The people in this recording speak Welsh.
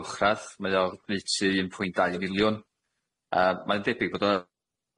uwchradd mae o oddeutu un pwynt dau miliwn yy mae'n debyg bod y